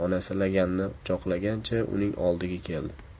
onasi laganni quchoqlagancha uning oldiga keldi